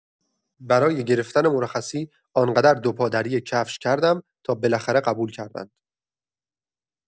برای گرفتن مرخصی آن‌قدر دو پا در یک کفش کردم تا بالاخره قبول کردند.